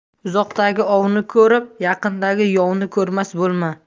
uzoqdagi ovni ko'rib yaqindagi yovni ko'rmas bo'lma